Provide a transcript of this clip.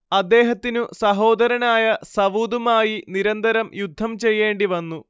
അദ്ദേഹത്തിനു സഹോദരനായ സവൂദ്മായി നിരന്തരം യുദ്ധം ചെയ്യേണ്ടിവന്നു